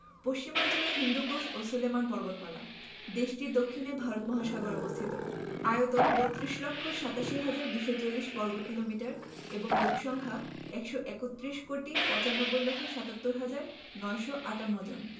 পশ্চিমাঞ্চলে হিন্দুকুশ ও সুলেমান পর্বতমালাদেশটির দক্ষিণে ভারত মহাসাগর অবস্থিত আয়তন ৩২ লক্ষ ৮৭ হাজার ২৪০ বর্গ কিমি এবং লোক সংখ্যা ১৩১ কোটি ৯৫ লক্ষ ৭৭ হাজার ৯৫৮ জন